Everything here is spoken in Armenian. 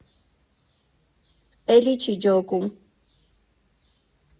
Էլի չի ջոկում։